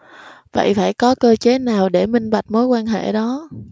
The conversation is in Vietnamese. vậy phải có cơ chế nào để minh bạch mối quan hệ đó